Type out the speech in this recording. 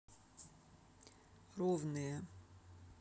ровные